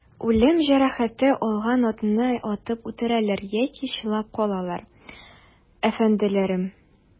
Үлем җәрәхәте алган атны атып үтерәләр яки чалып калалар, әфәнделәрем.